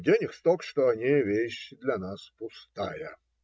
денег столько, что они - "вещь для нас пустая".